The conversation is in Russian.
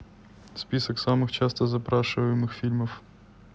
список самых часто запрашиваемых фильмов